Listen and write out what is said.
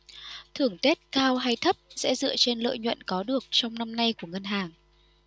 thưởng tết cao hay thấp sẽ dựa trên lợi nhuận có được trong năm nay của ngân hàng